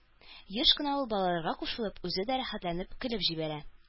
Еш кына ул, балаларга кушылып, үзе дә рәхәтләнеп көлеп җибәрә.